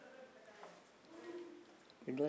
u ye dɔw sigi o bɛɛ lajɛlen na kayi fanfɛ bolo la